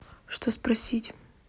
что спросить